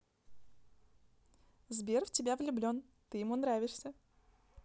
сбер в тебя влюблен ты ему нравишься